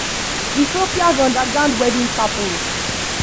Ethiopia's underground wedding chapels